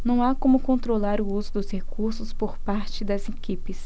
não há como controlar o uso dos recursos por parte das equipes